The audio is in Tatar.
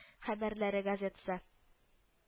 Хәбәрләре газетасы